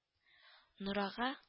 Норага